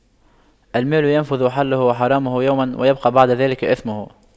المال ينفد حله وحرامه يوماً ويبقى بعد ذلك إثمه